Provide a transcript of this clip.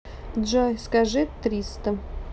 джой скажи триста